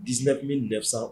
19900